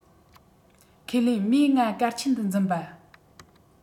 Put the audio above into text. ཁས ལེན མོས ང གལ ཆེན དུ འཛིན པ